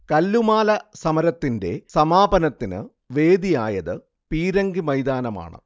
കല്ലുമാല സമരത്തിന്റെ സമാപനത്തിന് വേദിയായത് പീരങ്കി മൈതാനമാണ്